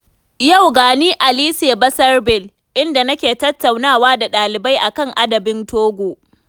Yau gani a lycée Bassar Ville, inda nake tattaunawa da ɗalibai a kan adabin Togo.